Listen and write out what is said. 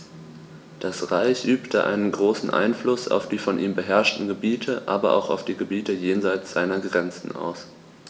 Das Reich übte einen großen Einfluss auf die von ihm beherrschten Gebiete, aber auch auf die Gebiete jenseits seiner Grenzen aus.